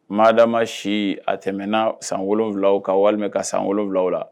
Mada ma si a tɛmɛna sanwula ka walima ka san wolonwulaw la